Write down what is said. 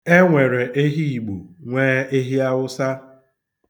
E nwere ehi Igbo nwee ehi Awụsa.